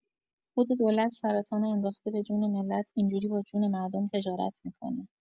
خود دولت سرطانو انداخته به جون ملت اینجوری با جون مردم تجارت می‌کنه!